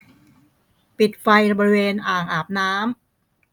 ปิดไฟบริเวณอ่างอาบน้ำ